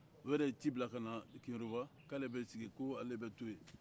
o yɛrɛ ye ci bila ka na keyoroba k'ale bɛ sigi yen ko ale bɛ to yen